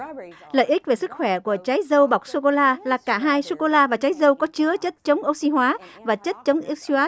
lợi ích về sức khỏe của trái dâu bọc sô cô la là cả hai sô cô la và trái dâu có chứa chất chống ô xy hóa và chất chống ô xy hóa